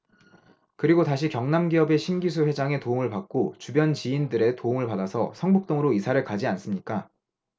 그리고 다시 경남기업의 신기수 회장의 도움을 받고 주변 지인들의 도움을 받아서 성북동으로 이사를 가지 않습니까